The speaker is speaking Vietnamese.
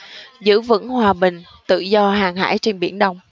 giữ vững hòa bình tự do hàng hải trên biển đông